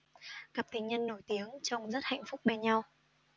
cặp tình nhân nổi tiếng trông rất hạnh phúc bên nhau